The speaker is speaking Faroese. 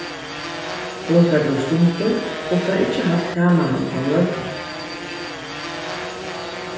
hon fellur sundur og fær ikki havt tamarhald á nøkrum